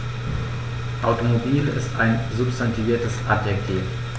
Automobil ist ein substantiviertes Adjektiv.